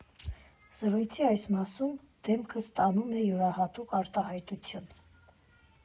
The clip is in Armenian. Զրույցի այս մասում դեմքը ստանում է յուրահատուկ արտահայտություն։